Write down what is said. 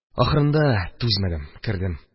Ахырында түзмәдем, кердем.